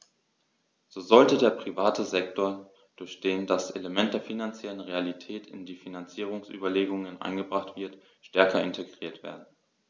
So sollte der private Sektor, durch den das Element der finanziellen Realität in die Finanzierungsüberlegungen eingebracht wird, stärker integriert werden.